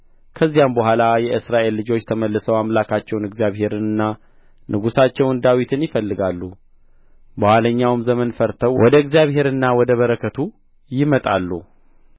ከዚያም በኋላ የእስራኤል ልጆች ተመልሰው አምላካቸውን እግዚአብሔርንና ንጉሣቸውን ዳዊትን ይፈልጋሉ በኋለኛውም ዘመን ፈርተው ወደ እግዚአብሔርና ወደ በረከቱ ይመጣሉ